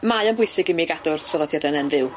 Mae o'n bwysig i mi gadw'r traddodiad ene'n fyw.